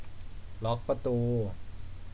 ล็อคประตู